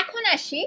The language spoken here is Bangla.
এখন আসি